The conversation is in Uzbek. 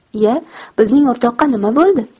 iya bizning o'rtoqqa nima bo'ldi